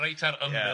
Reit ar ymyl, ia,